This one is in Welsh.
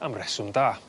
am reswm da